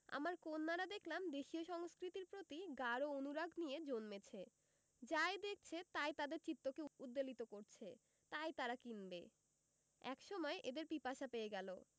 আমার কন্যারা দেখলাম দেশীয় সংস্কৃতির প্রতি গাঢ় অনুরাগ নিয়ে জন্মেছে যাই দেখাচ্ছে তাই তাদের চিত্তকে উদ্বেলিত করছে তাই তারা কিনবে এক সময় এদের পিপাসা পেয়ে গেল